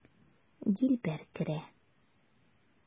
Дилбәр керә.